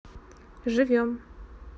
живем